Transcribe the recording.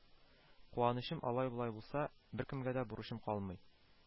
Куанычым, алай-болай булса, беркемгә дә бурычым калмый,